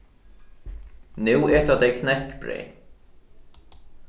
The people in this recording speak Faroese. nú eta tey knekkbreyð